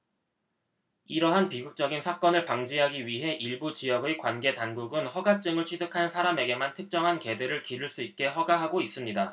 이러한 비극적인 사건을 방지하기 위해 일부 지역의 관계 당국은 허가증을 취득한 사람에게만 특정한 개들을 기를 수 있게 허가하고 있습니다